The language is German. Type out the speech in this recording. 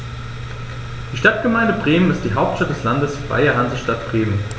Die Stadtgemeinde Bremen ist die Hauptstadt des Landes Freie Hansestadt Bremen.